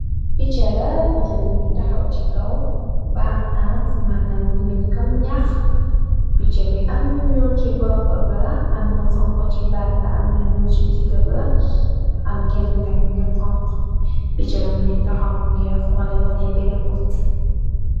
Picchala piccha bi ngi taxaw ci kaw bahang mannam nimeni koom ñax piccha bi am luñuul ci bopp ba am lu xonk ci baat ba am luñul ci digaba am gen mitam bingi xonk picchala mi ngi taxaw mu ngi xoole wone benn but.